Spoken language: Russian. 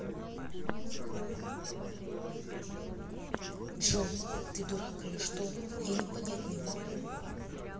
джой ты дурак или что я не понять не могу